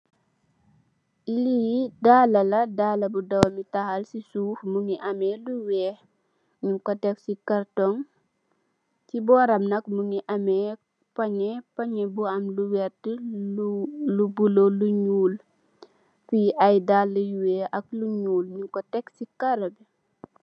Li daala la, daala bu doomital ci suuf mungi ameh lu weeh nung ko def ci karton. Chi boram nak mungi ameh pany, pany bu am bu am lu vert, lu bulo, lu ñuul. Fi ay daal yu weeh ak lu ñuul nung ko tekk ci kala bi.